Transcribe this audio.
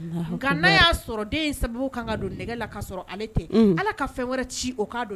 Alahakubaru nka n'a y'a sɔrɔ den in sababu kaan ka don nɛgɛ la kasɔrɔ ale tɛ unhun Ala ka fɛn wɛrɛ ci o ka don